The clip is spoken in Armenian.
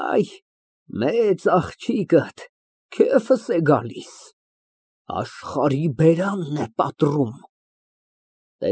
Այ, մեծ աղջիկդ, քեֆս է գալիս, աշխարհի բերանն է պատռում։